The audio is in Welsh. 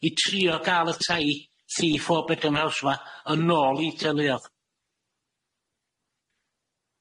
i trio ga'l y tai three four bed and house ma' yn ôl i tyluodd.